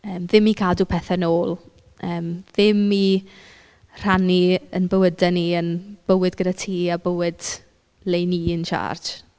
Yym ddim i cadw pethau'n ôl. Yym ddim i rhannu ein bywydau ni yn bywyd gyda ti a bywyd le y' ni in charge.